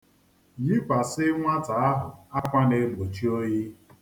Yikwasị nwata ahụ akwa na-egbochi oyi.